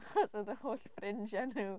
Achos oedd holl ffrindiau nhw.